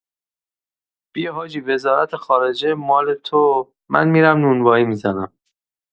بیا حاجی وزارت‌خارجه مال تو من می‌رم نونوایی می‌زنم.